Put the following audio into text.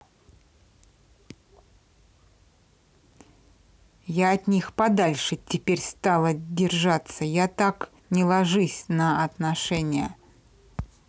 я от них подальше теперь стала держаться я так не ложись на отношения